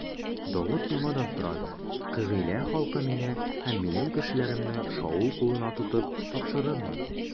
Давыт яңадан сорады: Кыгыйлә халкы мине һәм минем кешеләремне Шаул кулына тотып тапшырырмы?